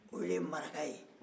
o de ye maraka ye